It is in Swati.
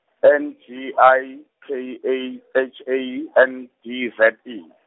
N G I, K A, H A, N D Z E.